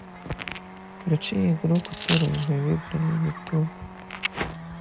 включи игру которую мы выбрали ютуб